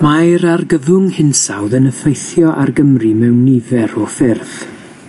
Mae'r argyfwng hinsawdd yn effeithio ar Gymru mewn nifer o ffyrdd,